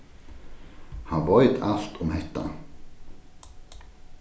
hann veit alt um hetta